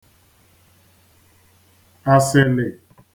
asịlị